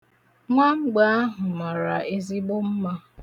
Nwamgbe ahụ mara ezigbo mma.